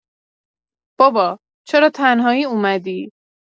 بابا، چرا تنهایی اومدی؟